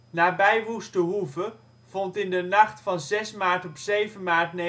Nabij Woeste Hoeve vond in de nacht van 6 maart op 7 maart 1945